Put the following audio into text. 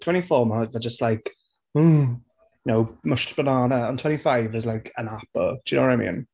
Twenty four, ma' fe just like "ugh", you know, mushed banana. Ond twenty-five is like an apple. Do you know what I mean?